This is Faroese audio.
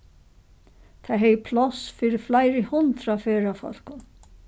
tað hevði pláss fyri fleiri hundrað ferðafólkum